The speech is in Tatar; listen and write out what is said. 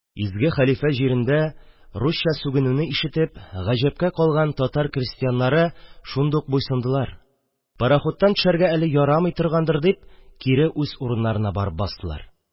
Изге хәлифә җирендә урысча сүгенүне ишетеп гаҗәпкә калган татар крәстиәннәре шундук буйсындылар, пароходтан төшәргә әле ярамый торгандыр дип, кире үз урыннарына барып бастылар.